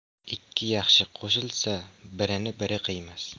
ikki yaxshi qo'shilsa birini biri qiymas